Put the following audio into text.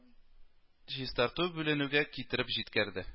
Чистарту бүленүгә китереп җиткәрде